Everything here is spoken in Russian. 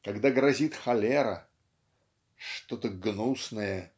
Когда грозит холера ("что-то гнусное